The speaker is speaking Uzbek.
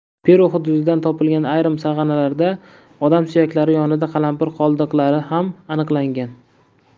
peru hududidan topilgan ayrim sag'analarda odam suyaklari yonida qalampir qoldiqlari ham aniqlangan